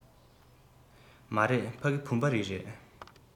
མ རེད ཕ གི བུམ པ རི རེད